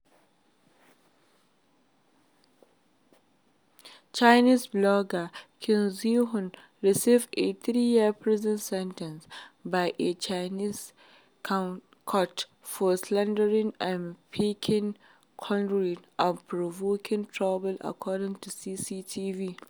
Chinese blogger Qin Zhihui received a three-year prison sentence by a Chinese court for “slander” and “picking quarrels and provoking troubles,” according to CCTV.